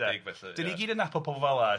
Da' ni i gyd yn nabod pobl fel 'na